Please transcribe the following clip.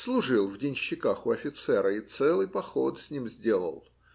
служил в денщиках у офицера и целый поход с ним сделал.